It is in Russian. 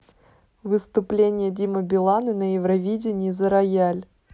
выступление дмитрия билана на евровидении за рояль